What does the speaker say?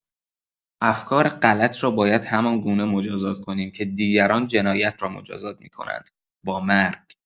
افکار غلط را باید همان‌گونه مجازات کنیم که دیگران جنایت را مجازات می‌کنند: با مرگ.